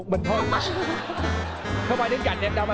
một mình thôi không ai đứng cạnh em đâu